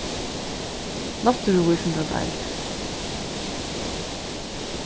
náttúruvísindadeild